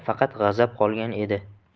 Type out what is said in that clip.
g'azab qolgan edi